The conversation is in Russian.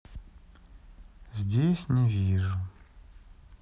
здесь не вижу